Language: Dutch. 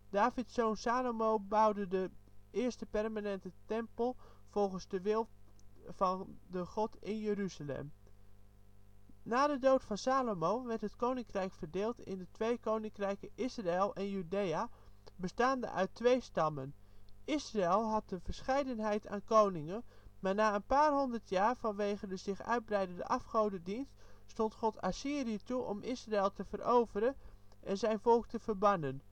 zoon Salomo bouwde de eerste permanente tempel volgens de wil van de God, in Jeruzalem. Na de dood van Salomo, werd het koninkrijk verdeeld in de twee koninkrijken Israël en Judea bestaande uit twee stammen. Israël had een verscheidenheid aan koningen, maar na een paar honderd jaar vanwege een zich uitbreidende afgodendienst stond God Assyrië toe om Israël te veroveren en zijn volk te verbannen